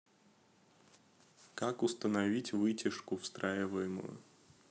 как установить вытяжку встраиваемую